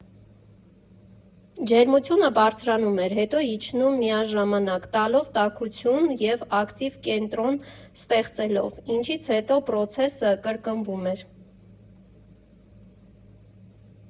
Ջերմությունը բարձրանում էր, հետո իջնում՝ միաժամանակ տալով տաքություն և ակտիվ կենտրոն ստեղծելով, ինչից հետո պրոցեսը կրկնվում էր։